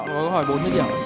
câu hỏi bốn mươi điểm